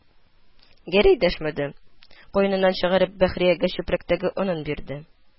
Гәрәй дәшмәде, куеныннан чыгарып Бәхриягә чүпрәктәге онны бирде